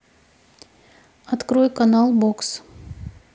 открыть канал бокс